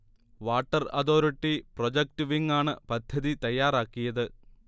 water authority project wing ആണ് പദ്ധതി തയ്യാറാക്കിയത്